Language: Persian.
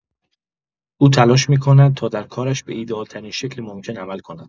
او تلاش می‌کند تا در کارش به ایده‌آل‌ترین شکل ممکن عمل کند.